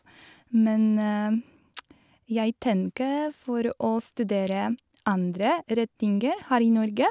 Men jeg tenker for å studere andre retninger her i Norge.